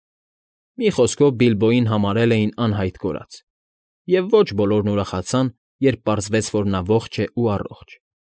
Մի խոսքով, Բիլբոյին համարել էին անհայտ կորած, և ոչ բոլորն ուրախացան, երբ պարզվեց, որ նա ողջ է ու առողջ։